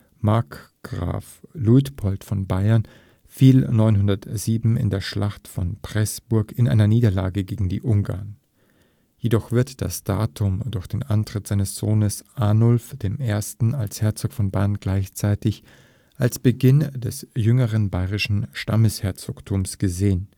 Markgraf Luitpold von Bayern fiel 907 in der Schlacht von Pressburg in einer Niederlage gegen die Ungarn, jedoch wird das Datum durch den Antritt seines Sohns Arnulf I. als Herzog von Baiern gleichzeitig als Beginn des jüngeren baierischen Stammesherzogtums gesehen